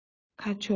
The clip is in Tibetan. ཁ ཕྱོགས